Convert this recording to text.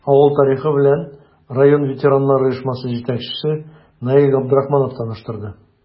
Авыл тарихы белән район ветераннар оешмасы җитәкчесе Наил Габдрахманов таныштырды.